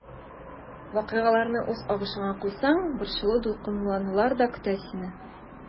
Вакыйгаларны үз агышына куйсаң, борчылу-дулкынланулар да көтә сине.